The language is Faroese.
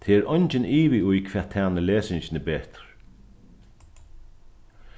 tað er eingin ivi í hvat tænir lesingini betur